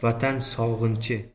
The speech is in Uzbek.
katta tuyg'u bu vatan sog'inchi